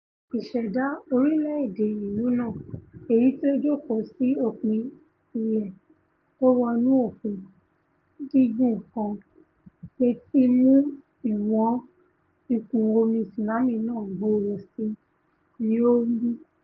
Ìṣẹ̀dá orí-ilẹ̀ ìlú náà, èyití ó jókòó sí òpin ilẹ̀ tówọnú òkun, gíguǹ kan, leè ti mú ìwọ̀n ìkún-omi tsunami náà gbòòrò síi, ní ó wí.